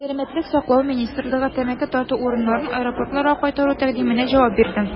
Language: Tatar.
Сәламәтлек саклау министрлыгы тәмәке тарту урыннарын аэропортларга кайтару тәкъдименә җавап бирде.